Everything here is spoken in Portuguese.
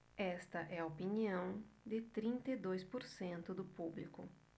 esta é a opinião de trinta e dois por cento do público